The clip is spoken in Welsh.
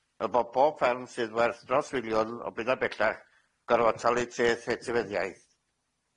fel bod bob fferm sydd werth dros filiwn o bunnoedd bellach yn gorfod talu treth etifeddiaeth.